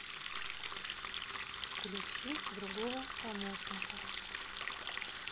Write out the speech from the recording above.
включи другого помощника